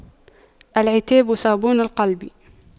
العتاب صابون القلب